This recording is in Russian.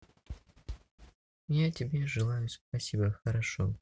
я тебе тоже желаю спасибо хорошо